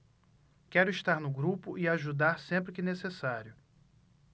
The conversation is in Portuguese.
quero estar no grupo e ajudar sempre que necessário